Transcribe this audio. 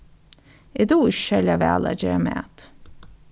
eg dugi ikki serliga væl at gera mat